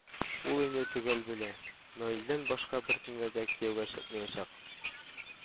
Ул инде төгәл белә: Наилдән башка беркемгә дә кияүгә чыкмаячак